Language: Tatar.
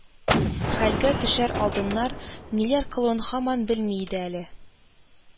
Хәлгә төшәр алдыннан ниләр кылуын һаман белми иде әле